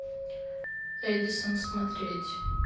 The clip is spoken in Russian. эдисон смотреть